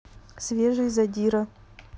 свежий задира